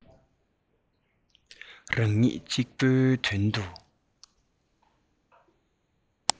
རང ཉིད གཅིག པུའི དོན དུ